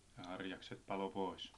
ja harjakset paloi pois